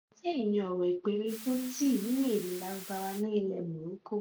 Atay ni ọ̀rọ̀ ìpèrí fún tíì nínú èdè Lárúbáwá ti ilẹ̀ Morocco.